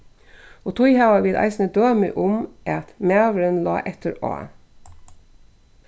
og tí hava vit eisini dømi um at maðurin lá eftir á